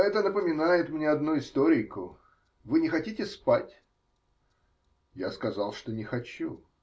-- Это напоминает мне одну историйку. Вы не хотите спать? Я сказал, что не хочу.